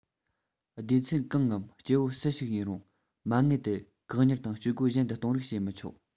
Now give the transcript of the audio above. སྡེ ཚན གང ངམ སྐྱེ བོ སུ ཞིག ཡིན རུང མ དངུལ དེ བཀག ཉར དང སྤྱོད སྒོ གཞན དུ གཏོང རིགས བྱས མི ཆོག